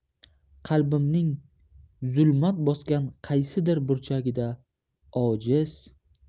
qalbimning zulmat bosgan qaysidir burchagida ojiz